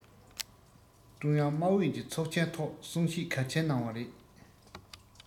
ཀྲུང དབྱང དམག ཨུད ཀྱི ཚོགས ཆེན ཐོག གསུང བཤད གལ ཆེན གནང བ རེད